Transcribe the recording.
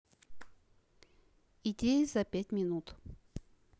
идеи за пять минут